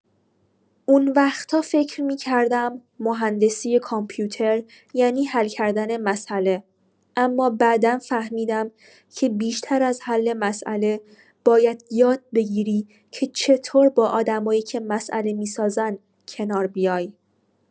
اون وقتا فکر می‌کردم مهندسی کامپیوتر یعنی حل کردن مساله، اما بعدا فهمیدم که بیشتر از حل مساله، باید یاد بگیری که چطور با آدمایی که مساله می‌سازن، کنار بیای.